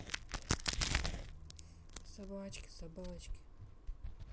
собачки собачки